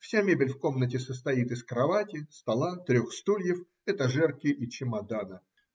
вся мебель в комнате состоит из кровати, стола, трех стульев, этажерки и чемодана.